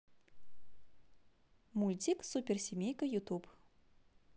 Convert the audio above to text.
мультик суперсемейка ютуб